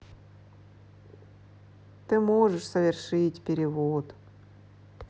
ты можешь совершить перевод